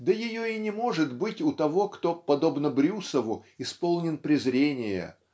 Да ее и не может быть у того кто подобно Брюсову исполнен презрения